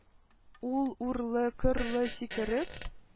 Ул үрле-кырлы сикереп,